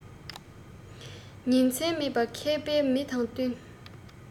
ཉིན མཚན མེད པར མཁས པའི མི དང བསྟུན